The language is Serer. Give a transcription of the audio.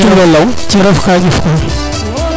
cerof ka ƴufka